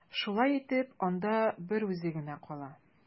Шулай итеп, анда берүзе генә кала.